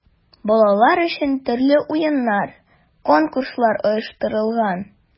Балалар өчен төрле уеннар, конкурслар оештырылган.